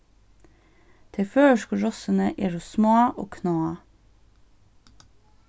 tey føroysku rossini eru smá og kná